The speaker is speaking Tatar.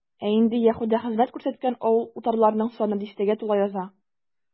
Ә инде Яһүдә хезмәт күрсәткән авыл-утарларның саны дистәгә тула яза.